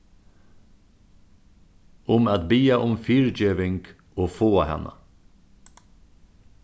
um at biðja um fyrigeving og fáa hana